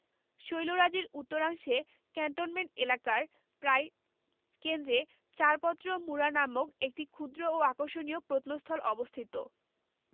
শৈলরাজির উত্তরাংশে ক্যান্টনমেন্ট এলাকার প্রায় কেন্দ্রে চারপত্র মুড়া নামক একটি ক্ষুদ্র ও আকর্ষণীয় প্রত্নস্থল অবস্থিত